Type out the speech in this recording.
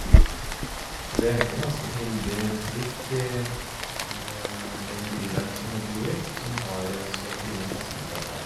Så vi er egentlig ganske heldig stilt i i den bydelen som jeg bor i, som har så fine fasiliteter.